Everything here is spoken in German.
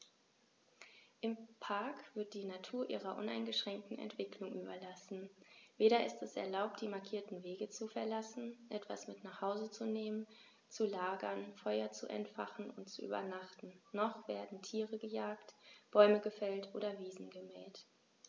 Im Park wird die Natur ihrer uneingeschränkten Entwicklung überlassen; weder ist es erlaubt, die markierten Wege zu verlassen, etwas mit nach Hause zu nehmen, zu lagern, Feuer zu entfachen und zu übernachten, noch werden Tiere gejagt, Bäume gefällt oder Wiesen gemäht.